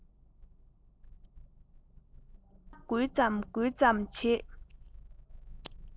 སྣ འགུལ ཙམ འགུལ ཙམ བྱེད